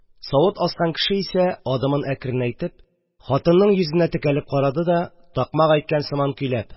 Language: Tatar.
Савыт аскан кеше исә, адымын әкренәйтеп, хатынның йөзенә текәлеп карады да, такмак әйткән сыман көйләп: